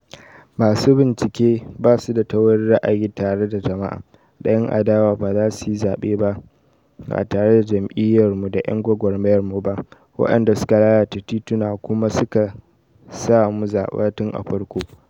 Masu bincike ba su da tsaurin ra'ayi tare da jama'a, da' Yan adawa ba za su yi zabe ba, ba tare da jam'iyyarmu da 'yan gwagwarmayarmu ba, waɗanda suka lalata tituna kuma suka sa mu zaɓa tun a farkon.